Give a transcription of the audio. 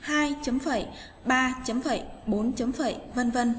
hai chấm phẩy ba chấm phẩy chấm phẩy vân vân